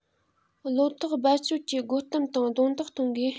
བློ ཐག རྦད བཅད ཀྱིས རྒོལ གཏམ དང རྡུང རྡེག གཏོང དགོས